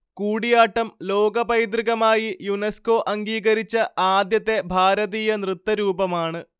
കൂടിയാട്ടം ലോകപൈതൃകമായി യുനെസ്കോ അംഗീകരിച്ച ആദ്യത്തെ ഭാരതീയ നൃത്തരൂപമാണ്